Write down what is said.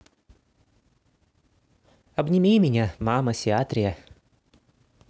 обними меня мама siatria